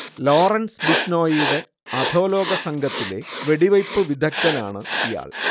Lawrence ബിഷ്നോയിയുടെ അധോലോക സംഘത്തിലെ വെടിവെയ്പ്പ് വിദഗ്ദ്ധനാണ് ഇയാൾ